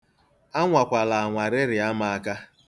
Anwakwala anwa rịrịa m aka.